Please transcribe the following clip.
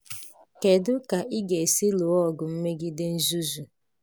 Kedu ka ị ga-esi lụọ ọgụ megide nzuzu?